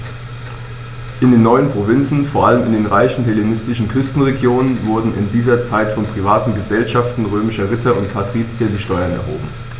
In den neuen Provinzen, vor allem in den reichen hellenistischen Küstenregionen, wurden in dieser Zeit von privaten „Gesellschaften“ römischer Ritter und Patrizier die Steuern erhoben.